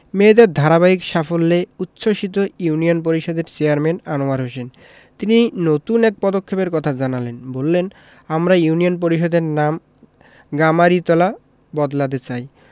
মেয়েদের ধারাবাহিক সাফল্যে উচ্ছ্বসিত ইউনিয়ন পরিষদের চেয়ারম্যান আনোয়ার হোসেন তিনি নতুন এক পদক্ষেপের কথা জানালেন বললেন আমরা ইউনিয়ন পরিষদের নাম গামারিতলা বদলাতে চাই